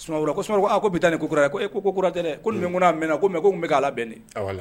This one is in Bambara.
Sumaworo ko bi taa ni kokura e ko ko ko'a mɛn ko mɛ ko n bɛ ala bɛn